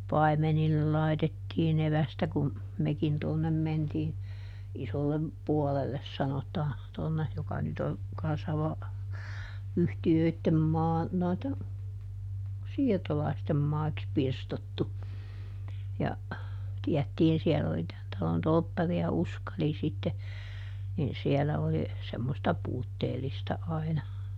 paimenille laitettiin evästä kun mekin tuonne mentiin isolle puolelle sanotaan tuonne joka nyt on kanssa - yhtiöiden maa noiden siirtolaisten maiksi pirstottu ja tiedettiin siellä oli tämän talon torpparia Uskali sitten niin siellä oli semmoista puutteellista aina